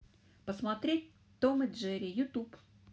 посмотреть том и джерри ютуб